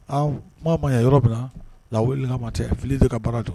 Aa kuma ma ɲɛ yɔrɔ min na, lawulinkama tɛ fili de ka baara don